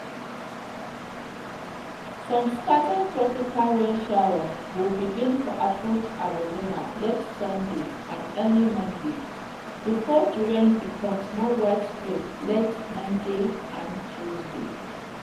Some scattered tropical rain showers will begin to approach Arizona late Sunday and early Monday, before the rain becomes more widespread late Monday and Tuesday.